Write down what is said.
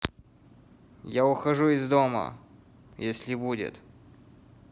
я ухожу из дома если будет